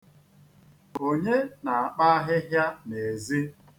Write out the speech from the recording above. Onye na-akpa ahịhịa n'ezi?